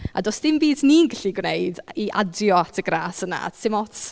A does dim byd ni'n gallu gwneud i adio at y gras yna 'sdim ots.